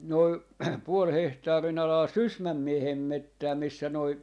noin puolen hehtaarin alaa Sysmän miehen metsää missä noin